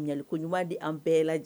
Ɲali koɲuman ɲuman di an bɛɛ lajɛ